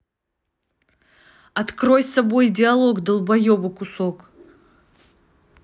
открой с собой диалог долбоеба кусок